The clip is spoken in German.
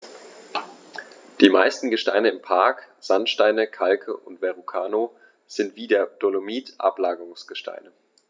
Die meisten Gesteine im Park – Sandsteine, Kalke und Verrucano – sind wie der Dolomit Ablagerungsgesteine.